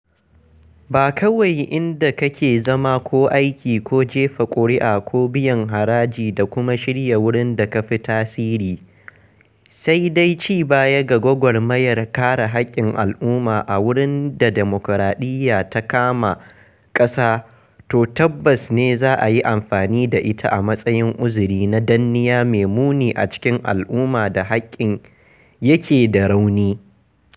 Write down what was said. Ba kawai inda kake zama ko aiki ko jefa ƙuria ko biyan haraji da kuma shirya wurin da ka fi tasiri, sai dai cibaya ga gwagwarmayar kare haƙƙin al'umma a wurin da dimukraɗiyya ta kama ƙasa to tabbas ne za a yi amfani da ita a matsayin uzuri na danniya mai muni a cikin al'ummar da haƙƙin yake da rauni.